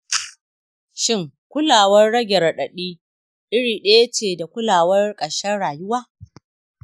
shin kulawar rage raɗaɗi iri ɗaya ce da kulawar ƙarshen rayuwa?